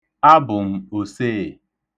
Abụ m osee.